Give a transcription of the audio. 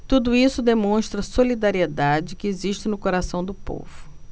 tudo isso demonstra a solidariedade que existe no coração do povo